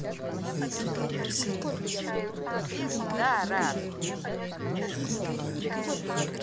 всегда рад